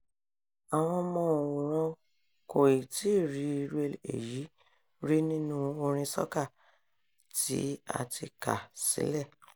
Àmọ́ àwọn òǹwòrán kò ì tíì rí irú èyí rí nínú orin soca tí a ti ká sílẹ̀.